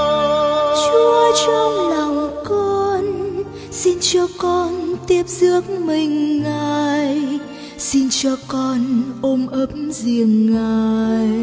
chúa trong lòng con xin cho con tiếp rước mình ngài xin cho con ôm ấp riêng ngài